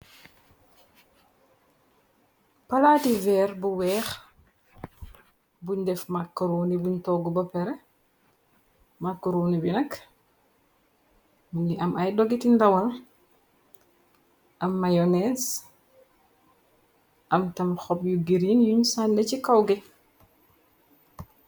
Palaati veer bu weex, buñ def makkorune buñ toggu ba pare, makorune bi nak mungi am ay dogiti ndawal, am mayones, am tam xob yu giriin yuñ sànde ci kaw gi.